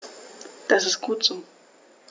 Das ist gut so.